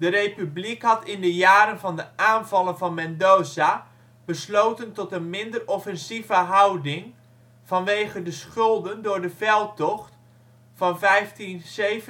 Republiek had in de jaren van de aanvallen van Mendoza besloten tot een minder offensieve houding, vanwege de schulden door de veldtocht van 1597, maar in 1600